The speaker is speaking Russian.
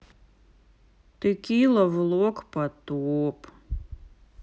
текила влог потоп